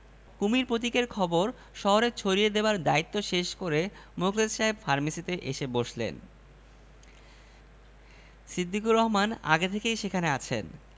কুমীর প্রতীকের খবর শহরে ছড়িয়ে দেবার দায়িত্ব শেষ করে মুখলেস সাহেব ফার্মেসীতে এসে বসলেন সিদ্দিকুর রহমান আগে থেকেই সেখানে আছেন